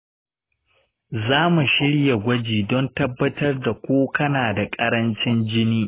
za mu shirya gwaji don tabbatar da ko kana da karancin jini.